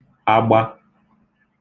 agba